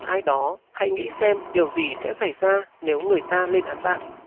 ai đó hãy nghĩ xem điều gì sẽ xảy ra nếu người ta lên án bạn